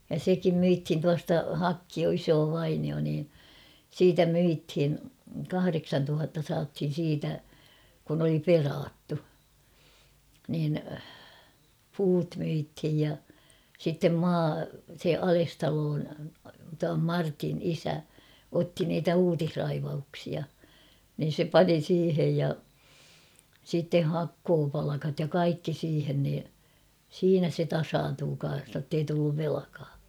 ja sekin myytiin tuosta Hakkio isoa vainiota niin siitä myytiin kahdeksantuhatta saatiin siitä kun oli perattu niin puut myytiin ja sitten maa se Alestalon tuon Martin isä otti niitä uutisraivauksia niin se pani siihen ja sitten hakkuupalkat ja kaikki siihen niin siinä se tasaantui kanssa jotta ei tullut velkaa